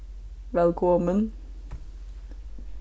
vælkomin